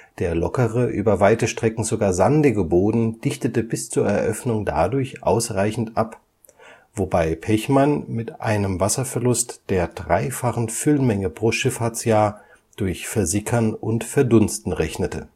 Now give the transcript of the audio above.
Der lockere, über weite Strecken sogar sandige Boden dichtete bis zur Eröffnung dadurch ausreichend ab, wobei Pechmann mit einem Wasserverlust der dreifachen Füllmenge pro Schifffahrtsjahr durch Versickern und Verdunsten rechnete